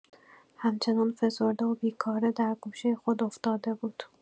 همچنان فسرده و بیکاره در گوشه خود افتاده بود.